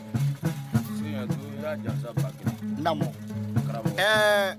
Sunjata lamɔ